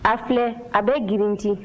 a filɛ a bɛ girindi